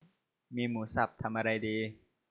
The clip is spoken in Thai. มีหมูสับทำอะไรดี